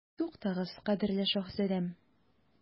Туктагыз, кадерле шаһзадәм.